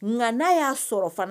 Nka n'a y'a sɔrɔ fana